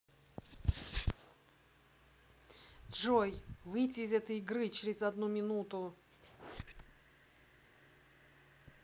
джой выйти из этой игры через одну минуту